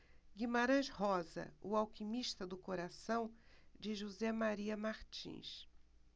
guimarães rosa o alquimista do coração de josé maria martins